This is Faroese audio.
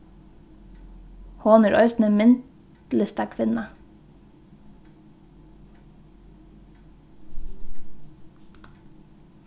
hon er eisini myndlistakvinna